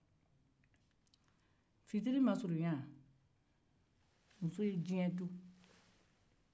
muso ye diɲɛ to fitiri masunya